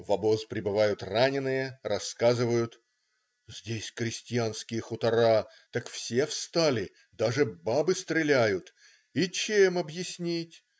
В обоз прибывают раненые - рассказывают: "здесь крестьянские хутора - так все встали, даже бабы стреляют и чем объяснить?